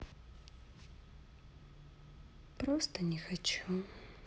просто не хочу